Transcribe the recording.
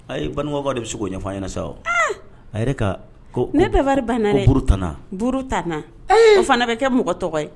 A bankawkaw de bɛ se' o ɲɛfɔ ɲɛna sa a yɛrɛ ka ko ne bɛ wariri banna b tanana b taana fana bɛ kɛ mɔgɔ tɔgɔ ye